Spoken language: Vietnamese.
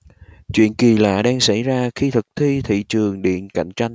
chuyện kỳ lạ đang xảy ra khi thực thi thị trường điện cạnh tranh